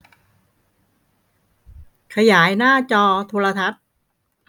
ขยายหน้าจอโทรทัศน์